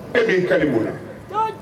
E bɛ' ka mun na